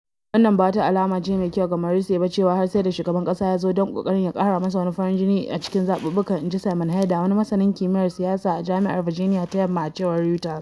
“Wannan ba wata alama ce mai kyau ga Morrisey ba cewa har sai da shugaban ƙasa ya zo don ƙoƙarin ya ƙara masa wani farin jini a cikin zaɓuɓɓukan,” inji Simon Haeder, wani masanin kimiyyar siyasa a Jami’ar Virginia ta Yamma, a cewar Reuters.